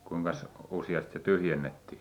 kuinkas useasti se tyhjennettiin